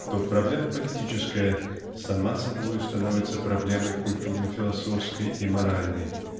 -- то проблема политическая само собою становится проблемой культурно-философской и моральной